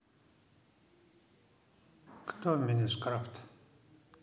кто minecraft